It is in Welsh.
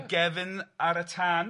A'i gefn ar y tân.